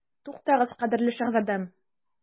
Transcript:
Туктагыз, кадерле шаһзадәм.